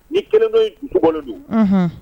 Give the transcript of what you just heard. Ni dusu bɔlen do